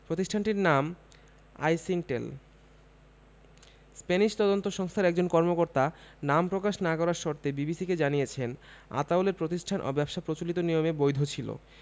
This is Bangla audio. প্রতিষ্ঠানটির নাম আইসিংকটেল স্প্যানিশ তদন্ত সংস্থার একজন কর্মকর্তা নাম প্রকাশ না করার শর্তে বিবিসিকে জানিয়েছেন আতাউলের প্রতিষ্ঠান ও ব্যবসা প্রচলিত নিয়মে বৈধ ছিল